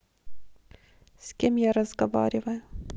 с кем я разговариваю